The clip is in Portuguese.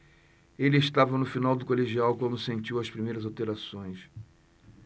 ele estava no final do colegial quando sentiu as primeiras alterações